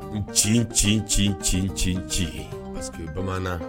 C c c c c ci ye paseke bamanan